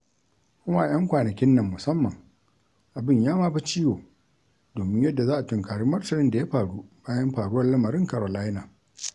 Kuma a 'yan kwanakin nan musamman, abin ya ma fi ciwo domin yadda za a tunkari martanin da ya faru bayan faruwar lamarin Carolina…